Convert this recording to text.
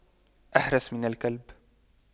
أحرس من كلب